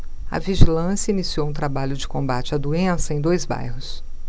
a vigilância iniciou um trabalho de combate à doença em dois bairros